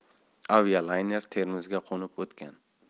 avialayner termizga qo'nib o'tgan